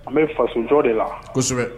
An bɛ fasocɛ de la